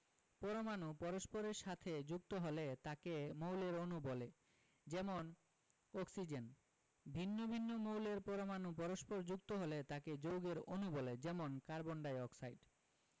পরমাণু পরস্পরের সাথে যুক্ত হলে তাকে মৌলের অণু বলে যেমন অক্সিজেন ভিন্ন ভিন্ন মৌলের পরমাণু পরস্পর যুক্ত হলে তাকে যৌগের অণু বলে যেমন কার্বন ডাই অক্সাইড